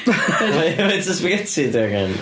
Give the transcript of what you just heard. Faint o spaghetti ti angen?